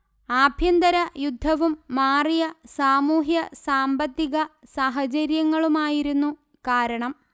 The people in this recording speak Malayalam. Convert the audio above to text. ആഭ്യന്തര യുദ്ധവും മാറിയ സാമൂഹ്യ സാമ്പത്തിക സാഹചര്യങ്ങളുമായിരുന്നു കാരണം